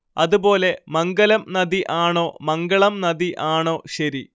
അതുപോലെ മംഗലം നദി ആണോ മംഗളം നദി ആണോ ശരി